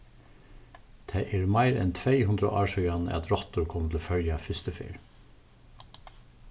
tað eru meir enn tvey hundrað ár síðani at rottur komu til føroya fyrstu ferð